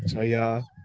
Joio.